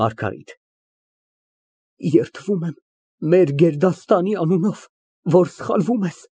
ՄԱՐԳԱՐԻՏ ֊ Երդվում եմ մեր գերդաստանի անունով, որ սխալվում ես։